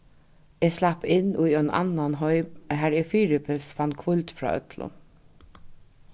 eg slapp inn í ein annan heim har eg fyribils fann hvíld frá øllum